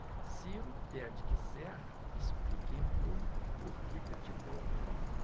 ciro pede que serra explique em público por que criticou plano